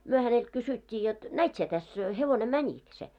me häneltä kysyttiin jotta näit sinä tässä hevonen menikö se